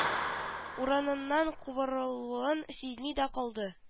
Урыныннан кубарылуын сизми дә калды